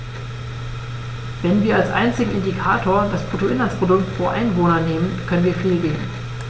Wenn wir als einzigen Indikator das Bruttoinlandsprodukt pro Einwohner nehmen, können wir fehlgehen.